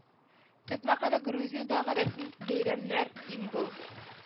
Төп мәкалә Грузиядагы рәсми бәйрәмнәр ингл